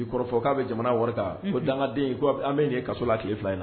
I kɔrɔfɔ k'a bɛ jamana wari kan, unhun, ko dangaden in k'an bɛ ni ye kasola tile fila in na, unhun.